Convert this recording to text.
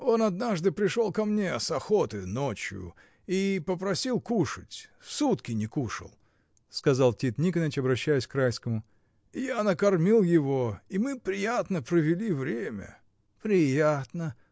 — Он однажды пришел ко мне с охоты ночью и попросил кушать: сутки не кушал, — сказал Тит Никоныч, обращаясь к Райскому, — я накормил его, и мы приятно провели время. — Приятно?